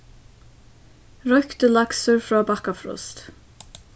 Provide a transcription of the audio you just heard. royktur laksur frá bakkafrost